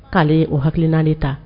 ' o hakilikil naanilen ta